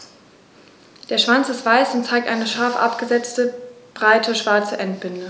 Der Schwanz ist weiß und zeigt eine scharf abgesetzte, breite schwarze Endbinde.